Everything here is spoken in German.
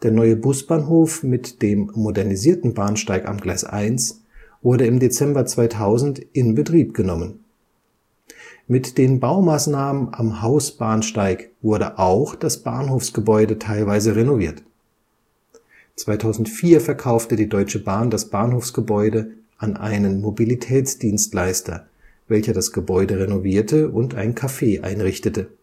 neue Busbahnhof mit dem modernisierten Bahnsteig am Gleis 1 wurde im Dezember 2000 in Betrieb genommen. Mit den Baumaßnahmen am Hausbahnsteig wurde auch das Bahnhofsgebäude teilweise renoviert. 2004 verkaufte die Deutsche Bahn das Bahnhofsgebäude an einem Mobilitätsdienstleister, welcher das Gebäude renovierte und ein Cafe einrichtete